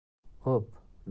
o'p darrov o'p